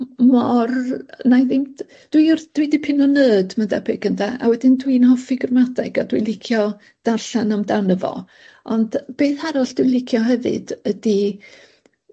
m- mor na'i ddim d- dwi wrth... Dwi dipyn o nerd ma'n debyg ynde, a wedyn dwi'n hoffi gramadeg a dwi'n licio darllan amdano fo ond beth arall dwi'n licio hefyd ydi